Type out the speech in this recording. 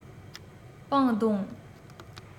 པང བརྡུང